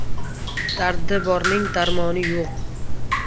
dardi borning darmoni yo'q